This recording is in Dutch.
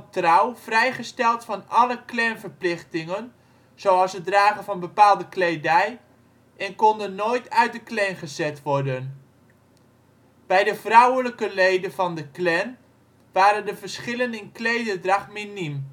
trouw vrijgesteld van alle Klanverplichtingen (zoals het dragen van bepaalde kledij) en konden nooit uit de Klan gezet worden. Bij de vrouwelijke leden van de Klan waren de verschillen in klederdracht miniem